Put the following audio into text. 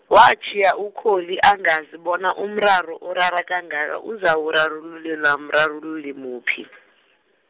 watjhiya Ukholi angazi bona umraro orara kangaka uzawurarululelwa mrarululi muphi .